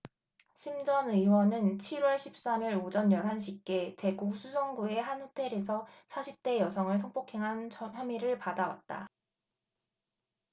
심 전 의원은 칠 월 십 삼 일 오전 열 한 시께 대구 수성구의 한 호텔에서 사십 대 여성을 성폭행한 혐의를 받아 왔다